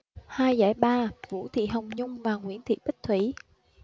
hai giải ba vũ thị hồng nhung và nguyễn thị bích thủy